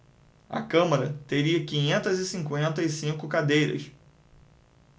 a câmara teria quinhentas e cinquenta e cinco cadeiras